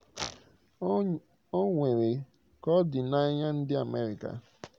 O nwere ka ọ dị n'anya ndị America.